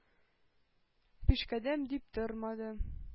Пишкадәм дип тормады.